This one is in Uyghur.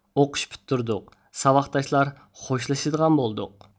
ئوقۇش پۈتتۈردۇق ساۋاقداشلار خوشلىشىدىغان بولدۇق